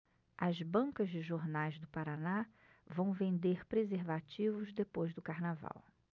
as bancas de jornais do paraná vão vender preservativos depois do carnaval